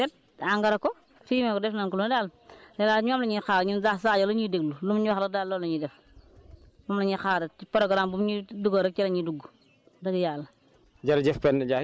léegi nag béy nañ ko ba mu set te engrais ko fumier ko def nañ ko lu ne daal léegi daal ñoom la ñuy xaar ñun daal Sadio rek la ñuy déglu lu mu ñu wax rek daal loolu la ñuy def moom la ñuy xaar ci programme bum ñu dugal rek ci la ñuy dugg wax dëgg